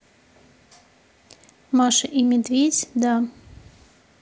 маша и медведь да